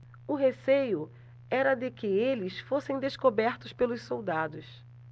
o receio era de que eles fossem descobertos pelos soldados